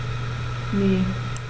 Ne.